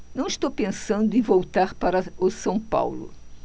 não estou pensando em voltar para o são paulo